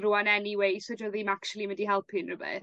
rŵan anyway so 'di o ddim actually yn mynd i helpu unryw beth.